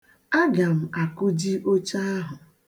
Aga m akụji oche ahụ.